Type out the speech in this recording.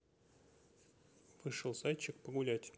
вышел зайчик погулять